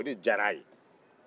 o de diyara a ye